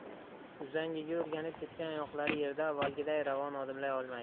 uzangiga o'rganib ketgan oyoqlari yerda avvalgiday ravon odimlay olmaydi